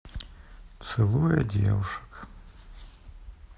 целуя девушек